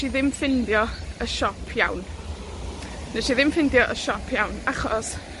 i ddim ffindio yn siop iawn. Nesh i ddim ffindio y siop iawn, achos